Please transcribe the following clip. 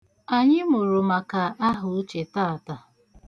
Anyị mụrụ maka ahauche taata.